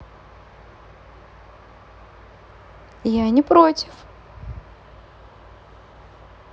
я не против